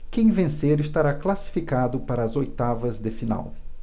quem vencer estará classificado para as oitavas de final